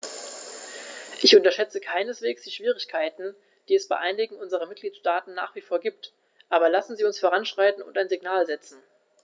Ich unterschätze keineswegs die Schwierigkeiten, die es bei einigen unserer Mitgliedstaaten nach wie vor gibt, aber lassen Sie uns voranschreiten und ein Signal setzen.